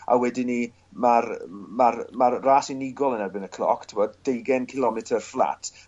a wedyn 'ny ma'r ma'r ma'r ras unigol yn erbyn y cloc ti'bod deugain cilometr fflat